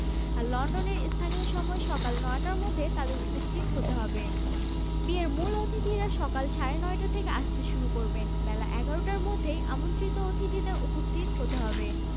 আর লন্ডনের স্থানীয় সময় সকাল নয়টার মধ্যে তাঁদের উপস্থিত হতে হবে বিয়ের মূল অতিথিরা সকাল সাড়ে নয়টা থেকে আসতে শুরু করবেন বেলা ১১টার মধ্যেই আমন্ত্রিত অতিথিদের উপস্থিত হতে হবে